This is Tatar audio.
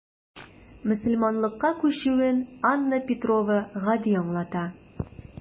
Мөселманлыкка күчүен Анна Петрова гади аңлата.